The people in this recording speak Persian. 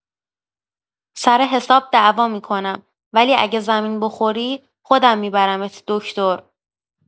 سر حساب دعوا می‌کنم، ولی اگه زمین بخوری خودم می‌برمت دکتر.